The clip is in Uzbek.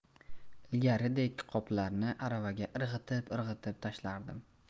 ilgarigidek qoplarni aravaga irg'itib irg'itib tashlardim